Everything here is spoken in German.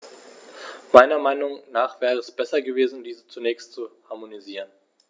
Meiner Meinung nach wäre es besser gewesen, diese zunächst zu harmonisieren.